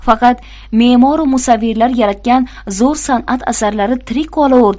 faqat me'moru musavvirlar yaratgan zo'r san'at asarlari tirik qolur